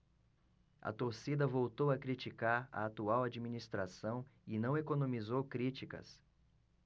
a torcida voltou a criticar a atual administração e não economizou críticas